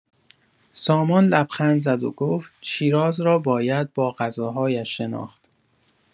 سامان لبخند زد و گفت: شیراز را باید با غذاهایش شناخت.